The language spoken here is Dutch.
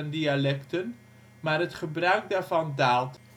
dialecten, maar het gebruik daarvan daalt